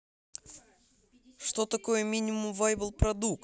что такое минимум вайбл продукт